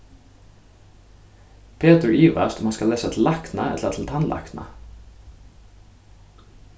petur ivast um hann skal lesa til lækna ella til tannlækna